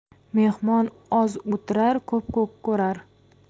mehmon oz o'tirar ko'p ko'rar